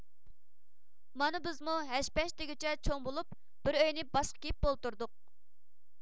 مانا بىزمۇ ھەش پەش دېگۈچە چوڭ بولۇپ بىر ئۆينى باشقا كىيىپ ئولتۇردۇق